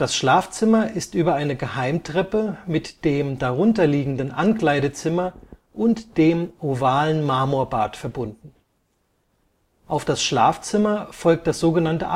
Schlafzimmer ist über eine Geheimtreppe mit dem darunter liegenden Ankleidezimmer und dem ovalen Marmorbad verbunden. Auf das Schlafzimmer folgt das sogenannte